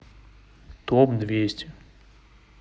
топ двести